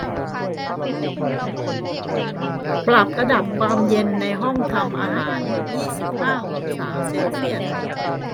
ปรับระดับความเย็นในห้องทำอาหารยี่สิบห้าองศาเซลเซียส